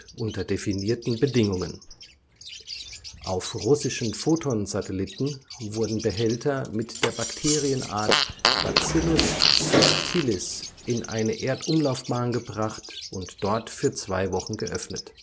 unter definierten Bedingungen. Auf russischen Foton-Satelliten wurden Behälter mit der Bakterienart Bacillus subtilis in eine Erdumlaufbahn gebracht und dort für zwei Wochen geöffnet